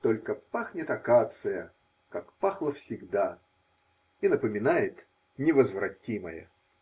Только пахнет акация, как пахла всегда, и напоминает невозвратимое.